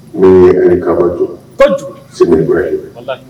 Ni a kaba jɔ si ga ye